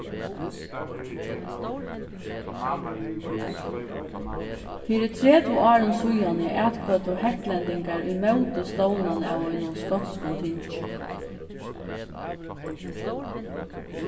fyri tretivu árum síðani atkvøddu hetlendingar ímóti stovnan av einum skotskum tingi